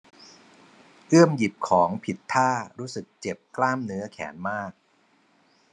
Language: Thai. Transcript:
เอื้อมหยิบของผิดท่ารู้สึกเจ็บกล้ามเนื้อแขนมาก